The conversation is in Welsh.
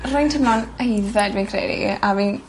Rwy'n teimlo'n aeddfed fi'n credu a fi'n